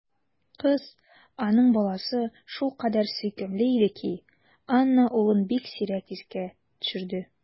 Кыз, аның баласы, шулкадәр сөйкемле иде ки, Анна улын бик сирәк искә төшерде.